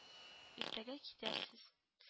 Иртәгә китәрсез